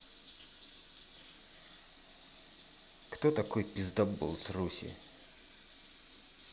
кто такой пиздаболс руси